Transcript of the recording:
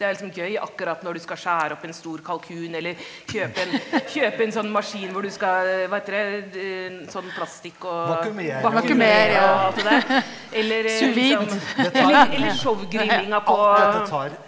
det er jo liksom gøy akkurat når du skal skjære opp en stor kalkun eller kjøpe en kjøpe en sånn maskin hvor du skal , hva heter det sånn plastikk og vakuumering og alt det der eller eller showgrillinga på .